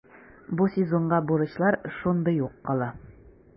Бу сезонга бурычлар шундый ук кала.